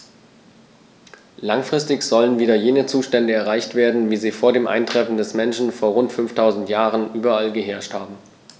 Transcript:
Langfristig sollen wieder jene Zustände erreicht werden, wie sie vor dem Eintreffen des Menschen vor rund 5000 Jahren überall geherrscht haben.